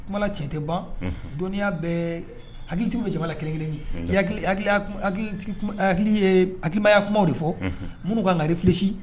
Kuma na tiɲɛ tɛ ban, dɔnniiya bɛ hakilitigiw bɛ jamana na kelen-kelen di hakili hakili hakili ye hakilimaya kumaw de fɔ, unhun, minnu kan ka refléchi